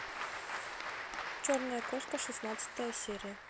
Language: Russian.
черная кошка шестнадцатая серия